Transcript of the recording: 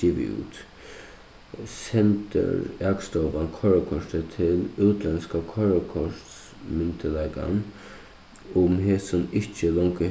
givið út sendir akstovan koyrikortið til útlendska koyrikortsmyndugleikan um hesin ikki longu